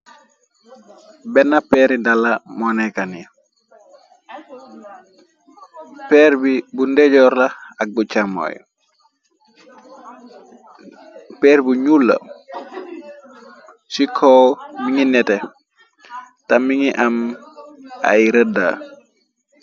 Benn peeri dala monekani peer bi bu ndejoorla. Ak bu càmmoy peer bu nulla ci kow mi ngi nete ta mi ngi am ay rëdda.